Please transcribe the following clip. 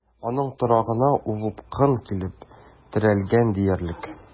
Аның торагына упкын килеп терәлгән диярлек.